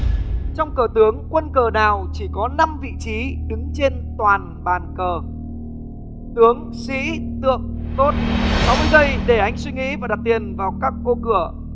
trong cờ tướng quân cờ nào chỉ có năm vị trí đứng trên toàn bàn cờ tướng sĩ tượng tốt sáu mươi giây để anh suy nghĩ và đặt tiền vào các ô cửa